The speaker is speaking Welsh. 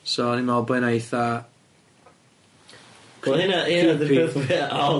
So o'n i'n me'wl bod e'n eitha. Wel hynna, hynna o'dd fwya od...